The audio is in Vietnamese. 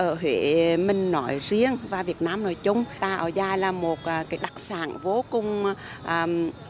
ở huế mình nói riêng và việt nam nói chung tà áo dài là một cái đặc sản vô cùng àm